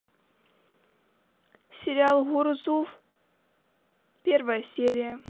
сериал гурзуф первая серия